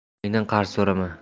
qudangdan qarz so'rama